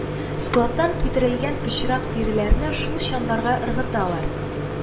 Складтан китерелгән пычрак тиреләрне шул чаннарга ыргыталар